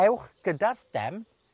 ewch gyda'r stem,